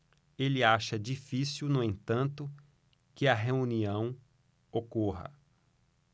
ele acha difícil no entanto que a reunião ocorra